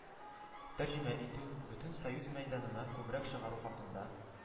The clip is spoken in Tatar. Тәрҗемә итү, бөтен союз мәйданына күбрәк чыгару хакында